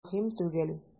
Мөһим түгел.